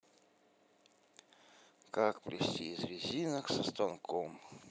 как плести из резинок со станком